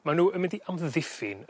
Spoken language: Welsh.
ma' n'w yn mynd i amddiffyn